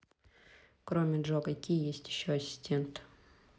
кроме джо какие еще ассистенты есть